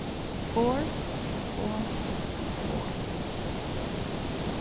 borð og morð